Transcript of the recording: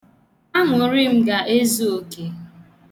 Aṅụrị m ga-ezu oke.